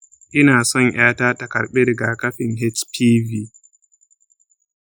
ina son ƴata ta karɓi rigakafin hpv.